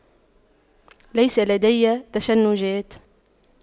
ليس لدي تشنجات